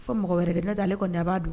Mɔgɔ wɛrɛ ne dalen ale kɔni da a b'a don